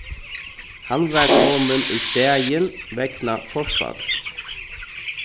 hann var komin í staðin vegna forfall